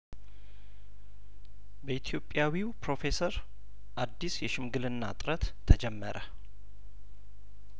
በኢትዮጵያዊው ፕሮፌሰር አዲስ የሽምግልና ጥረት ተጀመረ